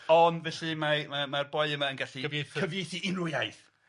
Ond felly, mae ma' ma'r boi yma yn gallu cyfieithu cyfieithu unryw iaith.